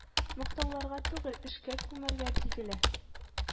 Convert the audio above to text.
Мактауларга түгел эшкә күмәргә билгеле